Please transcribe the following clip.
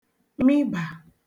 mịbà